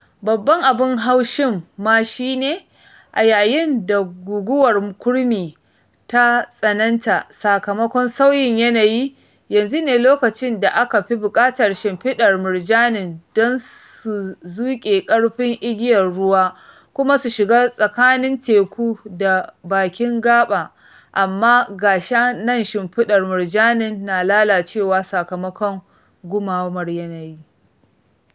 Babban abin haushin ma shi ne, a yayin da guguwar kurmi ta tsananta sakamakon sauyin yanayi, yanzu ne lokacin da aka fi buƙatar shimfiɗar murjanin don su zuƙe ƙarfin igiyar ruwa kuma su shiga tsakanin teku da bakin gaɓa - amma ga shi nan shimfiɗar murjanin na lalacewa sakamakon ɗumamar yanayi.